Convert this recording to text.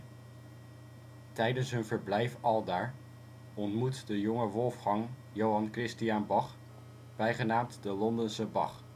Tijdens hun verblijf aldaar ontmoet de jonge Wolfgang Johann Christian Bach, bijgenaamd de " Londense Bach